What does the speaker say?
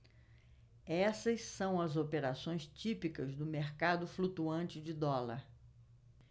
essas são as operações típicas do mercado flutuante de dólar